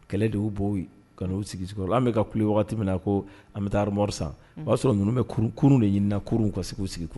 Kɛlɛ de y' bɔ kanu'u sigi an bɛka ka min na ko an bɛ taamo san o y'a sɔrɔ ninnuum bɛ k kuruurun de ɲini kurun ka sigi sigi